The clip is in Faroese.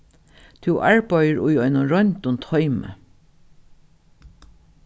tú arbeiðir í einum royndum toymi